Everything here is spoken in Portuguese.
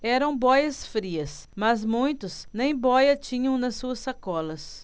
eram bóias-frias mas muitos nem bóia tinham nas suas sacolas